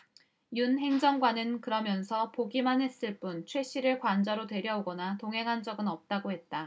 윤 행정관은 그러면서 보기만 했을 뿐 최씨를 관저로 데려오거나 동행한 적은 없다고 했다